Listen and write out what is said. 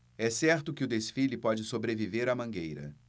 é certo que o desfile pode sobreviver à mangueira